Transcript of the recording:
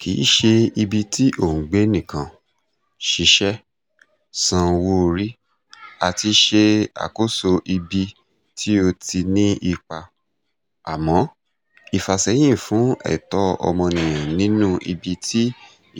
Kì í ṣe ibi tí ò ń gbé nìkan, ṣiṣẹ́, san owó orí àti ṣe àkóso ibi tí ó ti ní ipa, àmọ́ ìfàsẹ́yìn fún ẹ̀tọ́ ọmọnìyàn nínú ibi tí